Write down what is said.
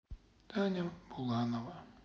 таня буланова